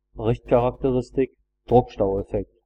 Richtcharakteristik, Druckstaueffekt